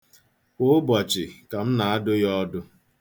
Kwa ụbọchị ka m na-adụ ya ọdụ.